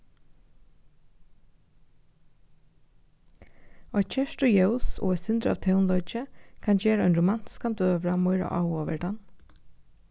eitt kertuljós og eitt sindur av tónleiki kann gera ein romantiskan døgurða meira áhugaverdan